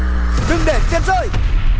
đừng để tiền rơi